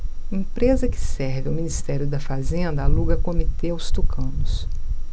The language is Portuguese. empresa que serve ao ministério da fazenda aluga comitê aos tucanos